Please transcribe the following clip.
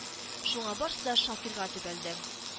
Шуңа барсы да Шакиргә төбәлде